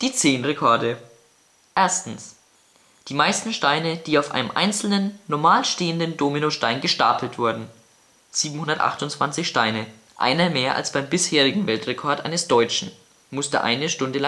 zehn Rekorde: Die meisten Steine, die auf einem einzelnen, normal stehenden Dominostein gestapelt wurden (728 Steine, einer mehr als beim bisherigen Weltrekord eines Deutschen, musste eine Stunde